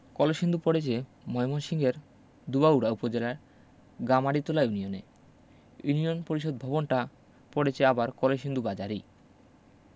কলসিন্দুর পড়েছে ময়মনসিংহের ধুবাউড়া উপজেলার গামারিতলা ইউনিয়নে ইউনিয়ন পরিষদ ভবনটা পড়েছে আবার কলসিন্দু বাজারেই